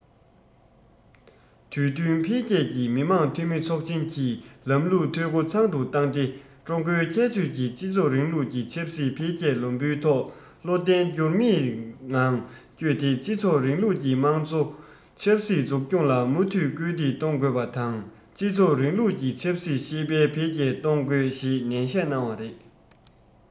དུས བསྟུན འཕེལ རྒྱས ཀྱིས མི དམངས འཐུས མི ཚོགས ཆེན གྱི ལམ ལུགས འཐུས སྒོ ཚང དུ བཏང སྟེ ཀྲུང གོའི ཁྱད ཆོས ཀྱི སྤྱི ཚོགས རིང ལུགས ཀྱི ཆབ སྲིད འཕེལ རྒྱས ལམ བུའི ཐོག བློ བརྟན འགྱུར མེད ངང བསྐྱོད དེ སྤྱི ཚོགས རིང ལུགས ཀྱི དམངས གཙོ ཆབ སྲིད འཛུགས སྐྱོང ལ མུ མཐུད སྐུལ འདེད གཏོང དགོས པ དང སྤྱི ཚོགས རིང ལུགས ཀྱི ཆབ སྲིད ཤེས དཔལ འཕེལ རྒྱས གཏོང དགོས ཞེས ནན བཤད གནང བ རེད